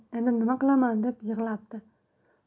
endi nima qilaman deb yig'labdi